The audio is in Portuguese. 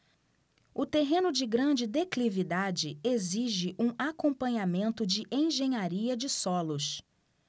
o terreno de grande declividade exige um acompanhamento de engenharia de solos